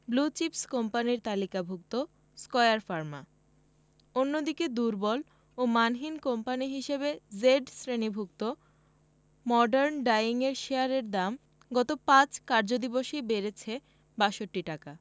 blue chips কোম্পানির তালিকাভুক্ত Square Pharma অন্যদিকে দুর্বল ও মানহীন কোম্পানি হিসেবে জেড শ্রেণিভুক্ত মর্ডান ডায়িংয়ের শেয়ারের দাম গত ৫ কার্যদিবসেই বেড়েছে ৬২ টাকা